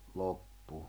loppu